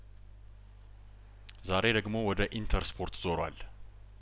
ዛሬ ደግሞ ወደ ኢንተር ስፖርት ዞሯል